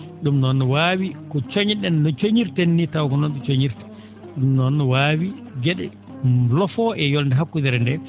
?um noon waawi ko coñe?en no co?irten nii taw ko noon ?e coñirta ?um noon waawi ge?e lofoo e yolde hakkundere ndee